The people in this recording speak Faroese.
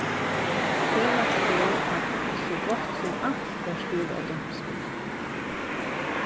felags er at so gott sum alt var skrivað á donskum